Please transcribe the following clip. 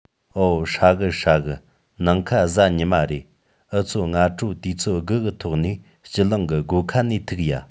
འོ ཧྲ གི ཧྲ གི ནིང ཁ གཟའ ཉི མ རེད འུ ཆོ སྔ དྲོ དུས ཚོད དགུ གི ཐོག ནས སྤྱི གླིང གི སྒོ ཁ ནས ཐུག ཡ